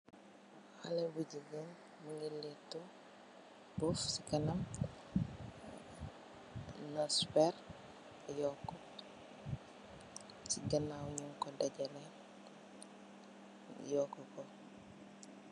Haley bu jigeen nungi lettu, poff ci kanam, las pèr, yoku. Ci ganaaw mung ko dajalè yoku ko.